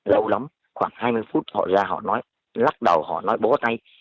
lâu lắm khoảng hai mươi phút họ ra họ nói lắc đầu họ nói bó tay